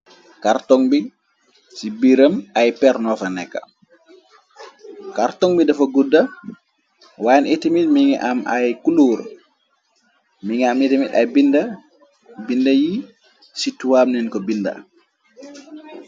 Ci biam ay per nova nek kàrtong bi dafa gudda wayen itamil mi nga am ay kuluur mi ngi am itamil ay bnd bind yi ci tuwaar neen ko binda.